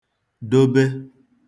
dobe